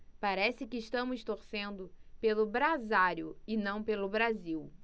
parece que estamos torcendo pelo brasário e não pelo brasil